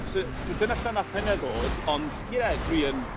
So so dyna lle wnaeth hynna ddod. Ond ie, dwi yn...